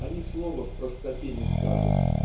Они слова в простоте не скажут